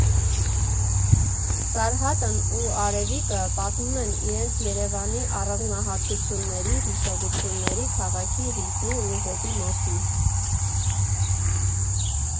Սարհատն ու Արևիկը պատմում են իրենց Երևանի առանձնահատկությունների, հիշողությունների, քաղաքի ռիթմի ու հոտի մասին։